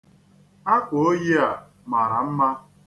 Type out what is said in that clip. Akwaoyi a mara mma.